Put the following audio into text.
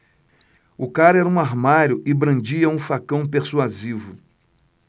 o cara era um armário e brandia um facão persuasivo